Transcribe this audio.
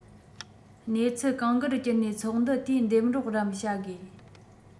གནས ཚུལ གང དགར བསྒྱུར ནས ཚོགས འདུ དེས འདེམས རོགས རམ བྱ དགོས